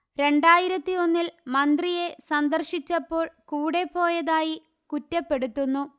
രണ്ടായിരത്തിയൊന്നിൽ മന്ത്രിയെ സന്ദർശിച്ചപ്പോൾ കൂടെപ്പോയതായി കുറ്റപ്പെടുത്തുന്നു